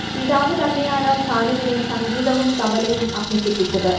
പിതാവ് തന്നെയാണ് സാനുവിനെ സംഗീതവും തബലയും അഭ്യസിപ്പിച്ചത്